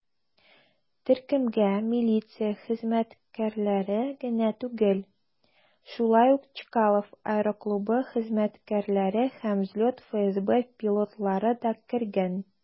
Төркемгә милиция хезмәткәрләре генә түгел, шулай ук Чкалов аэроклубы хезмәткәрләре һәм "Взлет" ФСБ пилотлары да кергән.